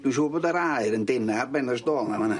Dwi'n siŵr bod yr aer yn dena ar ben y stôl na fana.